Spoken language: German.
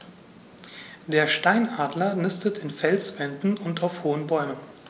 Der Steinadler nistet in Felswänden und auf hohen Bäumen.